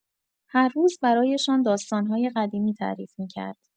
هر روز برایشان داستان‌های قدیمی تعریف می‌کرد.